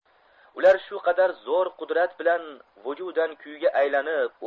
ular shu qadar zo'r qudrat bilan vujudan kuyga aylanib